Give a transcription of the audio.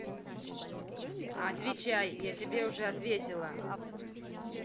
a отвечай я тебе уже ответила